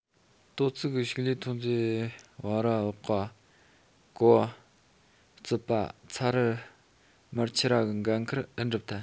དོ ཚིགས གི ཕྱུགས ལས ཐོན རྫས བ ར ལྤགས པ ཀོ བ རྩིད པ ཚ རུ མར ཆུ ར གི འགན ཁུར ཨེ གྲུབ ཐལ